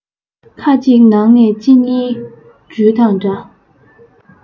ཁ གཅིག ནང ནས ལྕེ གཉིས སྦྲུལ དང འདྲ